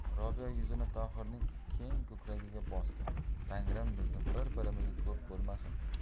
robiya yuzini tohirning keng ko'kragiga bosdi tangrim bizni bir birimizga ko'p ko'rmasin